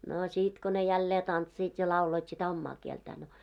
no sitten kun ne jälleen tanssivat ja lauloivat sitä omaa kieltään no